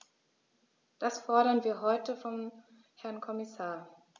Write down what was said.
Das fordern wir heute vom Herrn Kommissar.